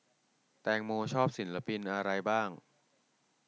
แตงโมชอบศิลปินอะไรบ้าง